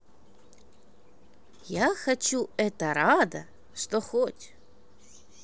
я хочу это рада хоть что